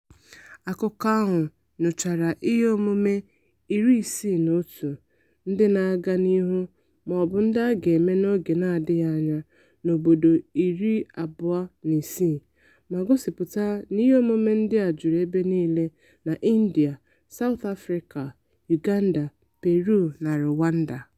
Akụkọ ahụ nyochara iheomume 51 ndị na-aga n'ihu maọbụ ndị a ga-eme n'oge na-adịghị anya n'obodo 26, ma gosịpụta na iheomume ndị a juru ebe niile n'India, South Africa, Uganda, Peru, na Rwanda.